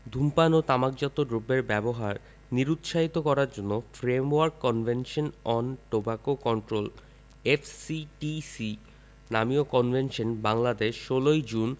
ধূমপান ও তামাকজাত দ্রব্যের ব্যবহার নিরুৎসাহিত করার জন্য framework convention on tobacco control F C T C নামীয় কনভেনশনে বাংলাদেশ ১৬ জুন